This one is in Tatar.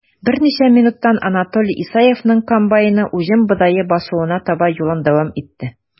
Берничә минуттан Анатолий Исаевның комбайны уҗым бодае басуына таба юлын дәвам итте.